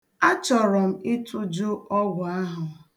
A chọrọ m ịtụjụ ọgwụ ahụ.